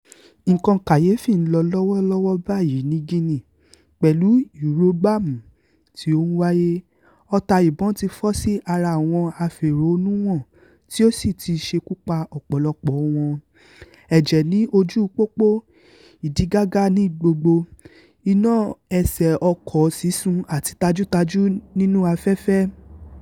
Nǹkan kàyèéfì ń lọ lọ́wọ́ lọ́wọ́ báyìí ní Guinea, pẹ̀lú ìrógbàmù tí ó ń wáyé, ọta ìbon ti fọ́ sí ara àwọn afẹ̀hónúhàn tí ó sì ti ṣekú pa ọ̀pọ̀lọpọ̀ọ wọn, ẹ̀jẹ̀ ní ojúu pópó, ìdígàgá ní gbogbo, iná ẹsẹ̀ ọkọ̀ọ sísun àti tajútajú nínú afẹ́fẹ́.